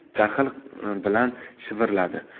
jahl bilan shivirladi